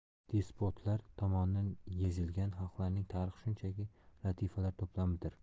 despotlar tomonidan ezilgan xalqlarning tarixi shunchaki latifalar to'plamidir